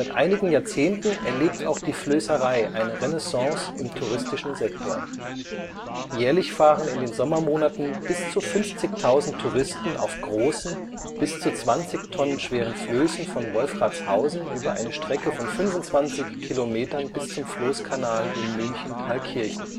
einigen Jahrzehnten erlebt auch die Flößerei eine Renaissance im touristischen Sektor. Jährlich fahren in den Sommermonaten bis zu 50.000 Touristen auf großen, bis zu 20 Tonnen schweren Flößen von Wolfratshausen über eine Strecke von 25 Kilometern bis zum Floßkanal in München-Thalkirchen